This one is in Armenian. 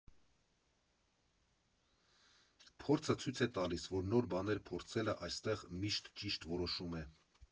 Փորձը ցույց է տալիս, որ նոր բաներ փորձելը այստեղ միշտ ճիշտ որոշում է։